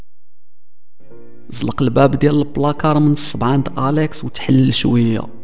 اطلق الباب يلا بلاك ارمن اليكس وتحليل شويه